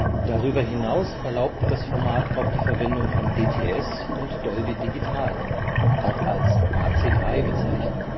Darüber hinaus erlaubte das Format auch die Verwendung von DTS und Dolby Digital (auch als AC-3 bezeichnet